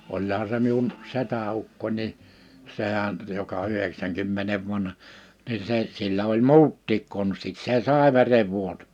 olihan se minun setäukkoni niin sehän joka yhdeksänkymmenen vanha niin se sillä oli muutkin konstit se sai verenvuoto